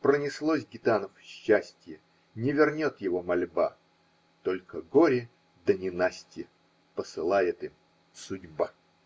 Пронеслось гитанов счастье, Не вернет его мольба, Только горе да ненастье Посылает им судьба.